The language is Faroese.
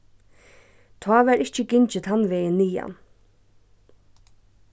tá varð ikki gingið tann vegin niðan